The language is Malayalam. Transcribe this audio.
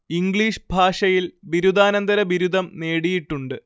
ഇംഗ്ലീഷ് ഭാഷയിൽ ബിരുദാനന്തര ബിരുദം നേടിയിട്ടുണ്ട്